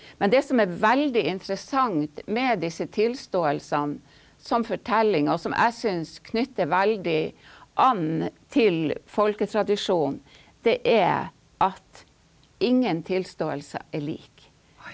men det som er veldig interessant med disse tilståelsene som fortelling og som jeg syns knytter veldig an til folketradisjonen, det er at ingen tilståelse er lik.